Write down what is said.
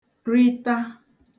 rita